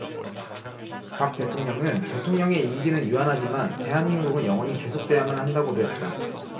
박 대통령은 대통령의 임기는 유한하지만 대한민국은 영원히 계속돼야만 한다고도 했다